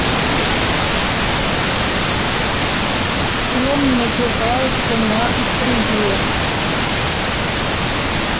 он называется на острие